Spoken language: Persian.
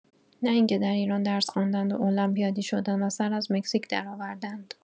نه این که در ایران درس خواندند و المپیادی شدند و سر از مکزیک درآوردند.